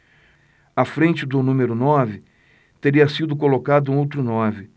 à frente do número nove teria sido colocado um outro nove